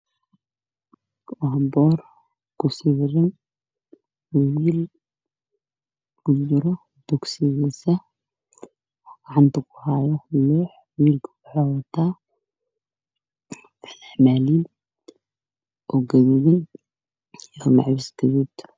Waa boor ku sawiran wiil ku jiro dugsigiisa gacanta ku haayo loox wiilka wuxuu wataa fanaanad oo guduudan iyo macawiis guduud ah